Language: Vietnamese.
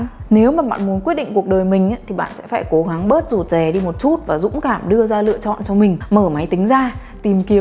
nếu mà bạn muốn quyết định cuộc đời mình thì bạn sẽ phải cố gắng bớt rụt rè đi một chút và dũng cảm đưa ra lựa chọn cho mình mở máy tính ra tìm kiếm